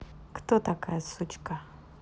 кто такая сучка